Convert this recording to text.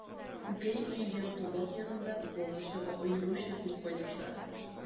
Күкәй өелгән табак янында бала-чага аеруча күп кайнаша.